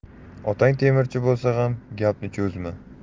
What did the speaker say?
otang temirchi bo'lsa ham gapni cho'zma